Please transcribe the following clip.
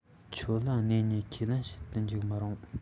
ཁྱོད ལ སྣེ གཉིས ཁས ལེན བྱེད དུ འཇུག མི རུང